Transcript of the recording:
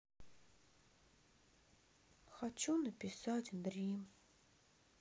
хочу написать дрим